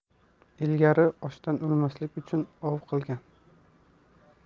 ilgari ochdan o'lmaslik uchun ov qilgan